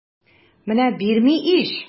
Менә бирми ич!